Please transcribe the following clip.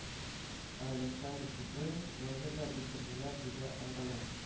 Ә александр петрович лагерьда үтерделәр диде агроном